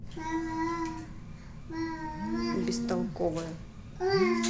бестолковая